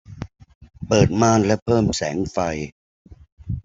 เปิดม่านและเพิ่มแสงไฟ